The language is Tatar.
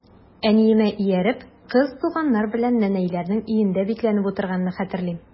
Әниемә ияреп, кыз туганнар белән нәнәйләрнең өендә бикләнеп утырганны хәтерлим.